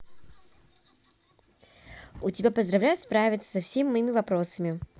у тебя поздравляют справиться со всеми моими вопросами